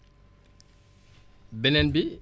beneen bi